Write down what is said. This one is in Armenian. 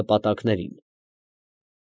Նպատակներին։